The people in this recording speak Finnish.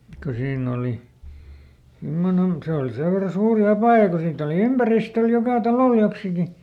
kun siinä oli semmoinen se oli sen verran suuri apaja kun siitä oli ympäristöllä joka talolla joksikin